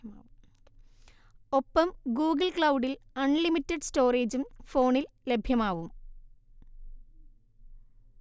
ഒപ്പം ഗൂഗിൾ ക്ലൗഡിൽ അൺലിമിറ്റഡ് സ്റ്റോറേജും ഫോണിൽ ലഭ്യമാവും